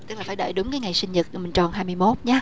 tức là phải đợi đúng cái ngày sinh nhật mà mình tròn hai mươi mốt nhớ